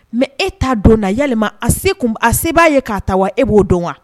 Mɛ e t'a don na ya a se a se b'a ye k'a ta wa e b'o dɔn wa